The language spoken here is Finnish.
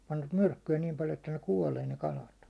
panivat myrkkyä niin paljon että ne kuolee ne kalat